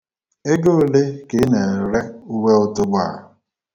Ego ole ka uwe otogbo a bụ?